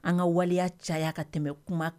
An ka waleya caya ka tɛmɛ kuma